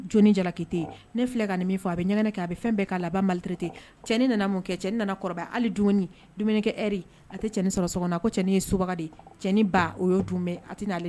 Jalaki ne ka min fɔ a bɛ ɲɛgɛn kɛ a bɛ fɛn'a laban malirete cɛn nana mun kɛ cɛn nana kɔrɔ hali dumuni dumunikɛri a tɛ sɔrɔ so ko cɛn ye su de cɛn ba o ye dun a tɛna'ale